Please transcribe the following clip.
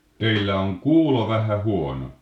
teillä on kuulo vähän huono